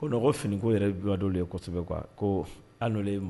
Ko non ko fini ko yɛrɛ ye juma don de yekosɛbɛ quoi ko hali n'olu ye